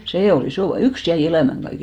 se oli iso - yksi jäi elämään kaiken